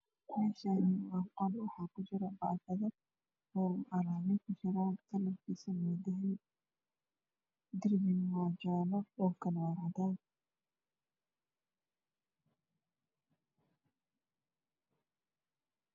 Meeshaani waa qol waxaa kalarkisa wa dahabi kuwa kale la waa jaale